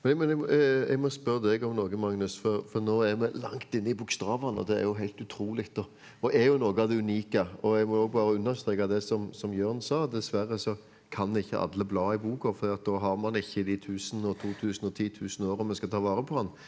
nei men jeg må jeg må spørre deg om noe Magnus for for nå er vi langt inn i bokstavene og det er jo heilt utrolig da og er jo noe av det unike og jeg må og bare understreke det som som Jørn sa dessverre så kan ikke alle bla i boka fordi at da har man ikke de 1002 1010 1000 åra vi skal ta vare på han.